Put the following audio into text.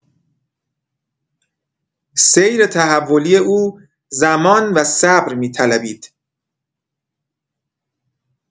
سیر تحولی او زمان و صبر می‌طلبید.